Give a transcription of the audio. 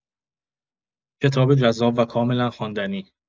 کتاب جذاب و کاملا خواندنی